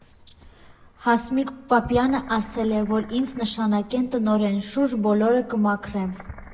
Հասմիկ Պապյանը ասել էր, որ ինձ նշանակեն տնօրեն, շուրջ բոլորը կմաքրեմ։